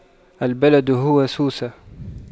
البلد هو سوسة